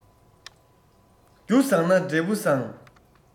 རྒྱུ བཟང ན འབྲས བུ བཟང